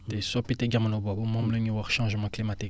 te soppite jamono boobu moom la ñu wax changement climatique